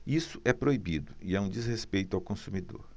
isso é proibido e é um desrespeito ao consumidor